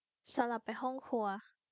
สลับไปห้องครัว